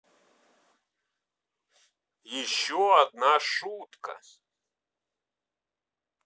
еще одна шутка